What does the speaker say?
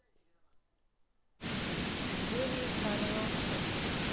вдовий пароход